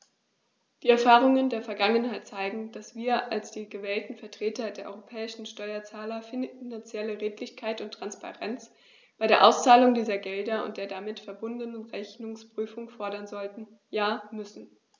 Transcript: Die Erfahrungen der Vergangenheit zeigen, dass wir als die gewählten Vertreter der europäischen Steuerzahler finanzielle Redlichkeit und Transparenz bei der Auszahlung dieser Gelder und der damit verbundenen Rechnungsprüfung fordern sollten, ja müssen.